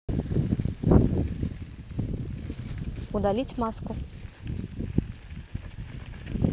удалить маску